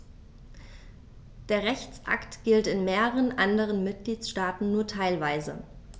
Der Rechtsakt gilt in mehreren anderen Mitgliedstaaten nur teilweise.